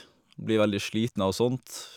Blir veldig sliten av sånt.